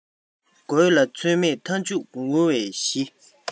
དགོད ལ ཚོད མེད མཐའ མཇུག ངུ བའི གཞི